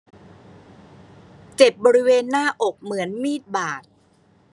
เจ็บบริเวณหน้าอกเหมือนมีดบาด